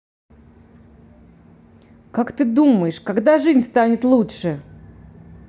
как ты думаешь когда жизнь станет лучше